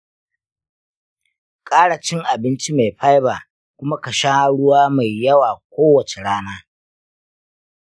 ƙara cin abinci mai fiber kuma ka sha ruwa mai yawa kowace rana.